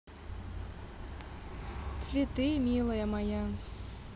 цветы милая моя